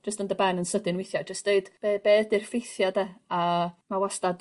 Jyst yn dy ben yn sydyn weithia' jyst deud be' be' ydi'r ffeithia 'de a ma' wastad